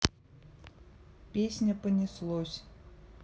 песня понеслось